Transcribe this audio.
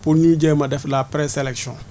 pour ñu jéem a def la pré sellection